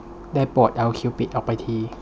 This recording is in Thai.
ได้โปรดเอาคิวบิดออกไปที